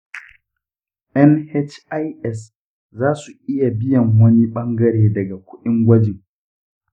nhis zasu iya biyan wani bangare daga kudin kwajin.